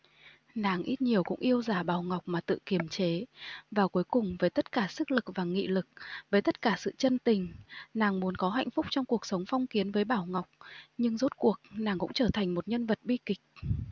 nàng ít nhiều cũng yêu giả bảo ngọc mà tự kiềm chế và cuối cùng với tất cả sức lực và nghị lực với tất cả sự chân tình nàng muốn có hạnh phúc trong cuộc sống phong kiến với bảo ngọc nhưng rốt cuộc nàng cũng trở thành một nhân vật bi kịch